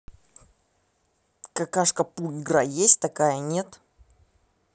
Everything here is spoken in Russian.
какашка пу игра есть такая нет